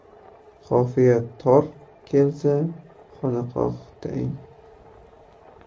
qofiya tor kelsa xonaqoh tang